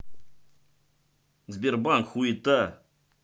сбербанк хуета